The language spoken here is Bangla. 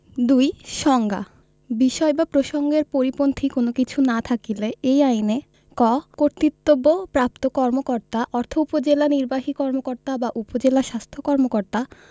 ২ সংজ্ঞাঃ বিষয় বা প্রসংগের পরিপন্থী কোন কিছু না থাকিলে এই আইনেঃ ক কর্তৃত্তবপ্রাপ্ত কর্মকর্তা অর্থ উপজেলা নির্বাহী কর্মকর্তা বা উপজেলা স্বাস্থ্য কর্মকর্তা